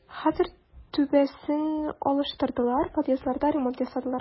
Хәзер түбәсен алыштырдылар, подъездларда ремонт ясадылар.